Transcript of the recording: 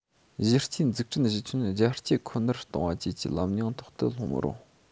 གཞི རྩའི འཛུགས སྐྲུན གཞི ཁྱོན རྒྱ སྐྱེད ཁོ ནར གཏོང བ བཅས ཀྱི ལམ རྙིང ཐོག ཏུ ལྷུང མི རུང